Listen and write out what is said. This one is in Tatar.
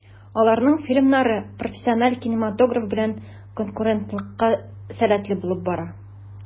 Аларның фильмнары профессиональ кинематограф белән конкурентлыкка сәләтле булып бара.